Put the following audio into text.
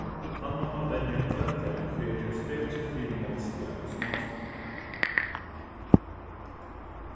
hanna má venja hvønn dag fyri at gerast betri fyri málsliga í sponskum